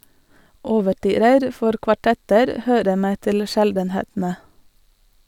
Ouverturer for kvartetter hører med til sjeldenhetene.